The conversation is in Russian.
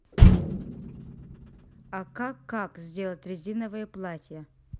а как как сделать резиновые платья